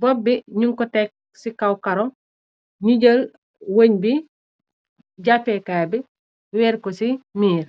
bop bi ñun ko tekk ci kaw karo ñu jël wëñ bi jàppekaay bi weer ko ci miir.